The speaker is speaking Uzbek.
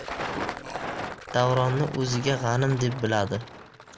davronni o'ziga g'anim deb biladi